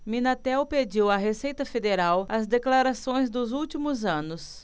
minatel pediu à receita federal as declarações dos últimos anos